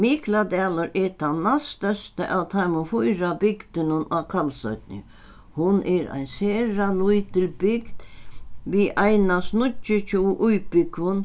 mikladalur er tann næststørsta av teimum fýra bygdunum á kalsoynni hon er ein sera lítil bygd við einans níggjuogtjúgu íbúgvum